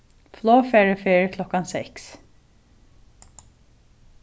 flogfarið fer klokkan seks